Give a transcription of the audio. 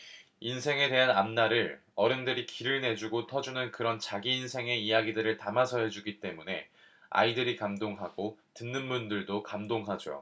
인생에 대한 앞날을 어른들이 길을 내주고 터주는 그런 자기 인생의 이야기들을 담아서 해주기 때문에 아이들이 감동하고 듣는 분들도 감동하죠